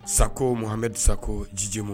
Sago muha sago jiji ma